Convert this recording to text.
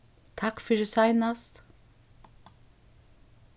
takk fyri seinast